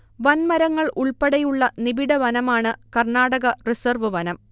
വൻമരങ്ങൾ ഉൾപ്പെടെയുള്ള നിബിഢവനമാണ് കർണാടക റിസർവ് വനം